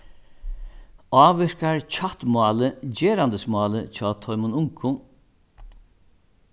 ávirkar kjattmálið gerandismálið hjá teimum ungu